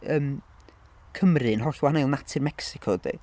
yym Cymru yn hollol wahanol i natur Mecsico ydi?